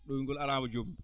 ɗoyngol alaa ma joob